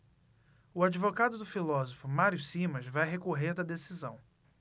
o advogado do filósofo mário simas vai recorrer da decisão